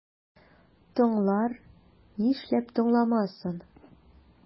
Тыңлар, нишләп тыңламасын?